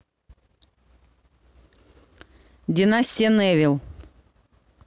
династия невилл